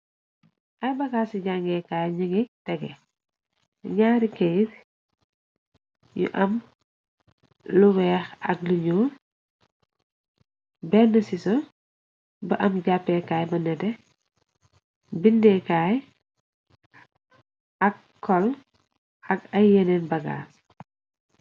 Ay bagaas ci jàngeekaay nuge tege ñaari keyete yu am lu weex ak lu nuul benn sisa bu am jàppeekaay ba nete bindeekaay ak col ak ay yeneen bagaas.